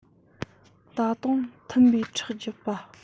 ད དང མཐུན པའི ཁྲག རྒྱག པ